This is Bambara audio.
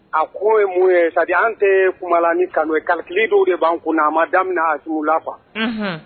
A ko ye mun ye an tɛ kuma ni kanu ye kalikili dɔw de b'an kun a ma daminɛ a sugu lafa